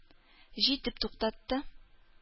Җитеп туктатты